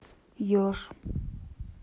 еж